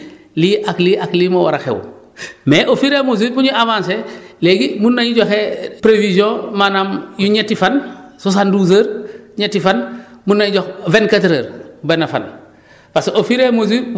ñu ne ci fukki fan yi lii ak lii ak lii ñoo war a xaw mais au fur et à mesure bu ñu avancer léegi mun nañ joxe prévision maanaam yu ñetti fan soixante douze heures ñetti fan mun nañ joxe vingt quatre heures benn fan